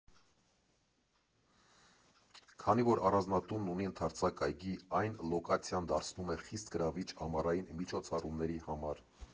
Քանի որ առանձնատունն ունի ընդարձակ այգի, այն լոկացիան դարձնում է խիստ գրավիչ ամառային միջոցառումների համար։